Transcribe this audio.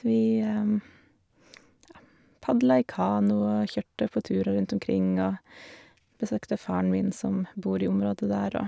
Vi, ja, padla i kano og kjørte på turer rundt omkring og besøkte faren min som bor i området der, og...